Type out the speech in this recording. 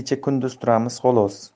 kunduz turamiz xolos